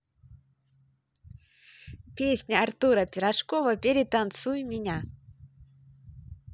песня артура пирожкова перетанцуй меня